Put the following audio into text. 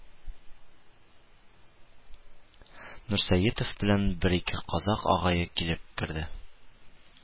Нурсәетов белән бер-ике казакъ агае килеп керде